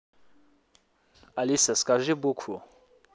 алиса скажи букву